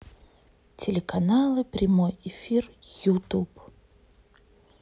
телеканалы прямой эфир ютуб